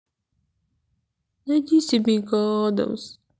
найди семейка адамс